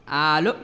Aa